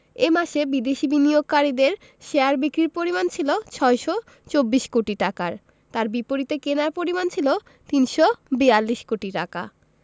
এ মাসে বিদেশি বিনিয়োগকারীদের শেয়ার বিক্রির পরিমাণ ছিল ৬২৪ কোটি টাকার তার বিপরীতে কেনার পরিমাণ ছিল ৩৪২ কোটি টাকা